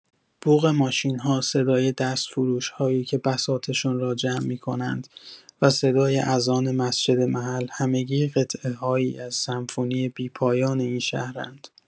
بوق ماشین‌ها، صدای دستفروش‌هایی که بساطشان را جمع می‌کنند، و صدای اذان مسجد محل، همگی قطعه‌هایی از سمفونی بی‌پایان این شهرند.